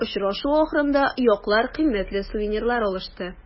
Очрашу ахырында яклар кыйммәтле сувенирлар алышты.